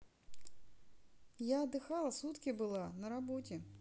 я отдыхала сутки была на работе